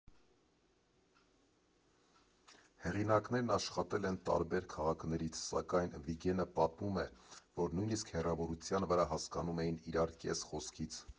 Հեղինակներն աշխատել են տարբեր քաղաքներից, սակայն Վիգէնը պատմում է, որ նույնիսկ հեռավորության վրա հասկանում էին իրար կես խոսքից։